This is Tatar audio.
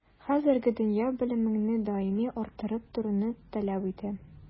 Хәзерге дөнья белемеңне даими арттырып торуны таләп итә.